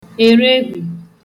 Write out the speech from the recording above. èrehù